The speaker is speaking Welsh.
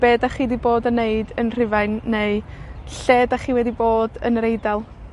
be' 'dach chi 'di bod yn neud yn Rhufain neu, lle 'dach chi wedi bod yn yr Eidal.